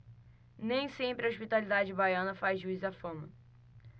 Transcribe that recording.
nem sempre a hospitalidade baiana faz jus à fama